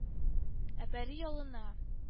Ә пәри ялына: